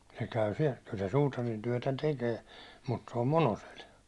se käy siellä kyllä se suutarintyötä tekee mutta se on Monosella